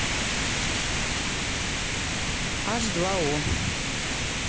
аш два о